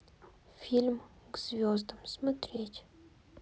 фильм к звездам смотреть